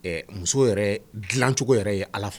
Ɛɛ musow yɛrɛ dilancogo yɛrɛ ye allah fɛ.